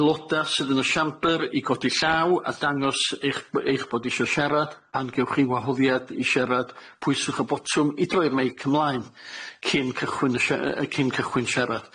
Aeloda sydd yn y siambr i godi llaw a dangos eich b- eich bod isio siarad pan gewch chi wahoddiad i siarad pwyswch y botwm i droi'r meic ymlaen cyn cychwyn y siar- yy cyn cychwyn siarad.